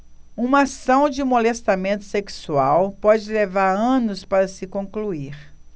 uma ação de molestamento sexual pode levar anos para se concluir